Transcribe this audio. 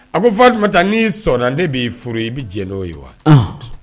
A ko Fatumata ni sɔnna ne b'i furu, i bɛ diɲɛ n'o ye wa, ɔnhɔn ??